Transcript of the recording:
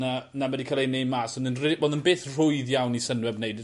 na na ma' 'di ca'l ei neud mas o'dd yn rhy- o'dd e'n beth rhwydd iawn i Sunweb neud...